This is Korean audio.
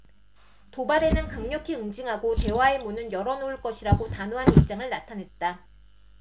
도발에는 강력히 응징하고 대화의 문은 열어 놓을 것이라고 단호한 입장을 나타냈다